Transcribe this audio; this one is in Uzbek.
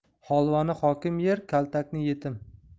holvani hokim yer kaltakni yetim